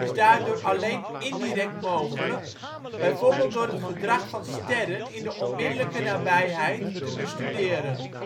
daardoor alleen indirect mogelijk, bijvoorbeeld door het gedrag van sterren in de onmiddellijke nabijheid te bestuderen